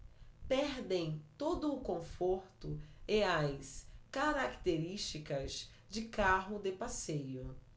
perdem todo o conforto e as características de carro de passeio